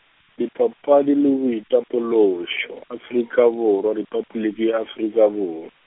Dipapadi le Boitapološo, Afrika Borwa, Repabliki ya Afrika Bor-.